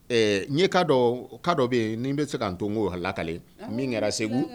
Ɛɛ n ka dɔ ka dɔ bɛ yen n bɛ se ka' to n'o halakale min kɛra segu